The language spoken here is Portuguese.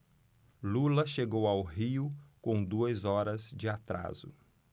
lula chegou ao rio com duas horas de atraso